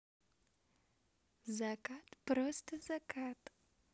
закат просто закат